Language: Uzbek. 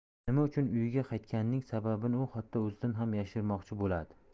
nima uchun uyiga qaytganining sababini u hatto o'zidan ham yashirmoqchi bo'ladi